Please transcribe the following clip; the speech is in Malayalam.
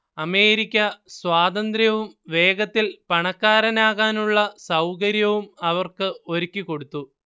അമേരിക്ക സ്വാതന്ത്ര്യവും വേഗത്തിൽ പണക്കാരനാകാനുള്ള സൗകര്യവും അവർക്ക് ഒരുക്കിക്കൊടുത്തു